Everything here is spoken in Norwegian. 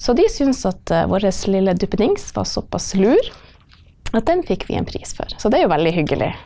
så de syns at vår lille duppedings var såpass lur at den fikk vi en pris for, så det er jo veldig hyggelig.